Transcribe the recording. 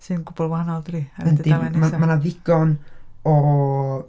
Sy'n gwbl wahanol, dydi... Yndi, mae 'na ddigon o...